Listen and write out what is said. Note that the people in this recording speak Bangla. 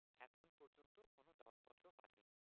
এখন পর্যন্ত কোনো দাওয়াতপত্র পাননি